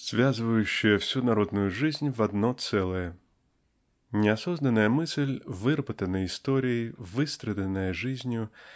связывающая всю народную жизнь в одно целое "несознанная мысль выработанная историей выстраданная жизнью